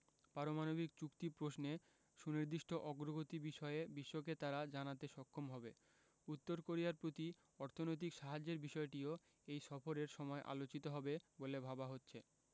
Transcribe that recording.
পারমাণবিক চুক্তি প্রশ্নে সুনির্দিষ্ট অগ্রগতি বিষয়ে বিশ্বকে তারা জানাতে সক্ষম হবে উত্তর কোরিয়ার প্রতি অর্থনৈতিক সাহায্যের বিষয়টিও এই সফরের সময় আলোচিত হবে বলে ভাবা হচ্ছে